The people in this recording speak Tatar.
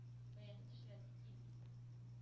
Бәяне төшерәсе килми.